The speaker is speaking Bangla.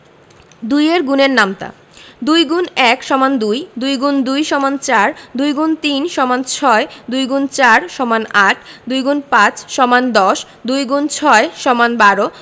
২ এর গুণের নামতা ২ X ১ = ২ ২ X ২ = ৪ ২ X ৩ = ৬ ২ X ৪ = ৮ ২ X ৫ = ১০ ২ X ৬ = ১২